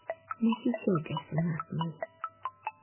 Нәфисә дә сынатмый.